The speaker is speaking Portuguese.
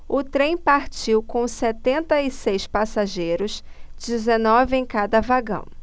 o trem partiu com setenta e seis passageiros dezenove em cada vagão